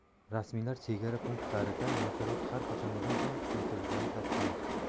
rasmiylar chegara punktlarida nazorat har qachongidan ham kuchaytirilganini ta'kidlamoqda